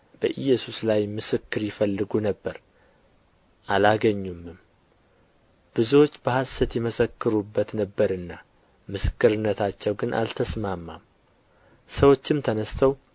በኢየሱስ ላይ ምስክር ይፈልጉ ነበር አላገኙምም ብዙዎች በሐሰት ይመሰክሩበት ነበርና ምስክርነታቸው ግን አልተሰማማም ሰዎችም ተነሥተው